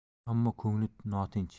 ammo ko'ngli notinch